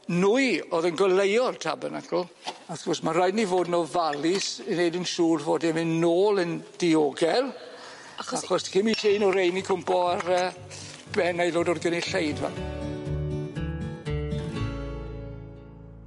nwy o'dd yn goleuo'r Tabernacl a wrth gwrs ma' raid i ni fod yn ofalus i neud yn siŵr fod e'n mynd nôl yn diogel achos achos chi'm isie un o rein i cwmpo ar yy ben aelod o'r gynulleidfa.